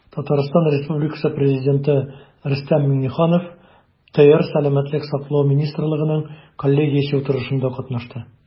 Татарстан Республикасы Президенты Рөстәм Миңнеханов ТР Сәламәтлек саклау министрлыгының коллегиясе утырышында катнашты.